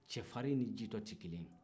cɛfarin ni jitɔ tɛ kelen ye